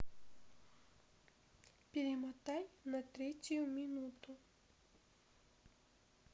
перемотай на третью минуту